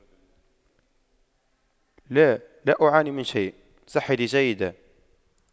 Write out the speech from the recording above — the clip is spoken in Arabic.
لا لا أعاني من شيء صحتي جيدة